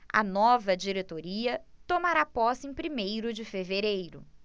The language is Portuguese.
a nova diretoria tomará posse em primeiro de fevereiro